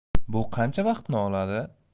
bu qancha vaqtni oladi